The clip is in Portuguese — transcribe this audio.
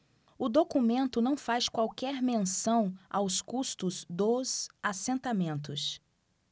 o documento não faz qualquer menção aos custos dos assentamentos